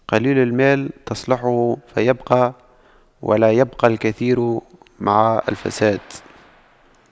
قليل المال تصلحه فيبقى ولا يبقى الكثير مع الفساد